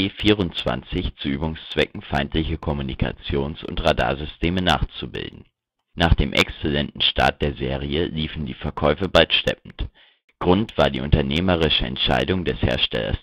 EC-24 zu Übungszwecken feindliche Kommunikations - und Radarsysteme nachzubilden. Nach dem exzellenten Start der Serie liefen die Verkäufe bald schleppend. Grund war die unternehmerische Entscheidung des Herstellers Douglas, trotz der